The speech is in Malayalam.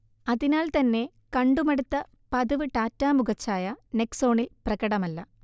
അതിനാൽതന്നെ കണ്ടുമടുത്ത പതിവ് ടാറ്റ മുഖഛായ നെക്സോണിൽ പ്രകടമല്ല